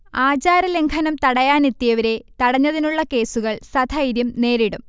ആചാരലംഘനം തടയാനെത്തിയവരെ തടഞ്ഞതിനുള്ള കേസുകൾ സധൈര്യം നേരിടും